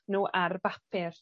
nw ar bapur.